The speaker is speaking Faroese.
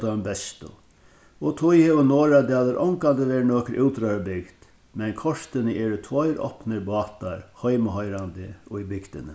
teimum bestu og tí hevur norðradalur ongantíð verið nøkur útróðrarbygd men kortini eru tveir opnir bátar heimahoyrandi í bygdini